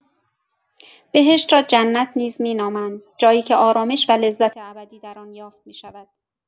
بهشت را جنت نیز می‌نامند، جایی که آرامش و لذت ابدی در آن یافت می‌شود.